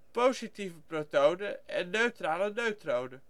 positieve protonen en neutrale neutronen